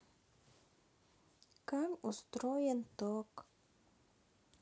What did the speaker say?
как устроен ток